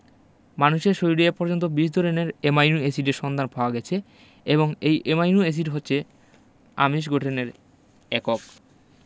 মানুষের শরীরে এ পর্যন্ত ২০ ধরনের অ্যামাইনো এসিডের সন্ধান পাওয়া গেছে এবং এই অ্যামাইনো এসিড হচ্ছে আমিষ গঠনের একক